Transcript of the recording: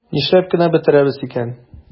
Нишләп кенә бетәрбез икән?